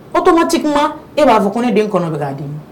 O tɔma ci kuma e b'a fɔ ko ne den kɔnɔ bɛ k'a di